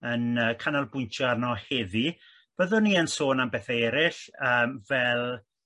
yn yy canolbwyntio arno heddi'. Byddwn ni yn sôn am bethe erill yy fel